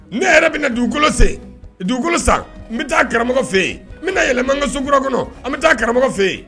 Ne yɛrɛ bɛ na dugukolo sen dugukolo sa n bɛ taa karamɔgɔ fɛ yen n bɛ yɛlɛma ka sokura kɔnɔ an bɛ taa karamɔgɔ fɛ yen